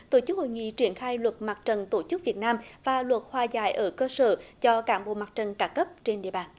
tổ chức hội nghị triển khai luật mặt trận tổ chức việt nam và luật hòa giải ở cơ sở cho cán bộ mặt trận các cấp trên địa bàn